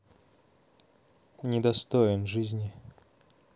не достоин жизни